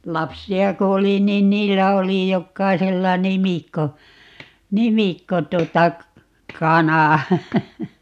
lapsia kun oli niin niillä oli jokaisella nimikko nimikko tuota kana